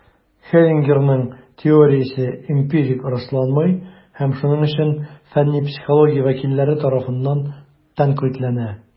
Хеллингерның теориясе эмпирик расланмый, һәм шуның өчен фәнни психология вәкилләре тарафыннан тәнкыйтьләнә.